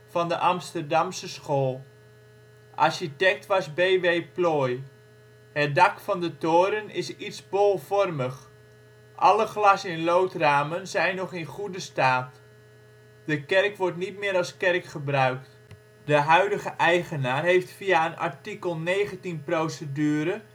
van de Amsterdamse School. Architect was B.W. Plooi. De dak van de toren is iets bolvormig. Alle glas-in-lood ramen zijn nog in goede staat. De kerk wordt niet meer als kerk gebruikt. De huidige eigenaar heeft via een artikel 19 procedure